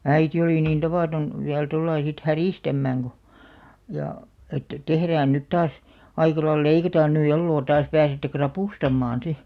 äiti oli niin tavaton vielä tuolla lailla sitten häristämään kun ja että tehdään nyt taas aika lailla leikataan nyt eloa taas pääsette ravustamaan sitten